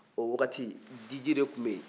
o wagati diji de tun bɛ yen